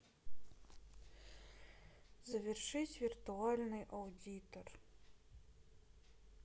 завершить виртуальный аудитор